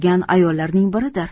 yurgan ayollarning biridir